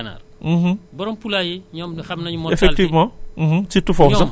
waaw bu dee ganaar yi un point cinq la ba trois point cinq